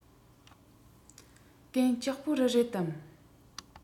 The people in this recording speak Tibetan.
གན ལྕོགས པོ རི རེད དམ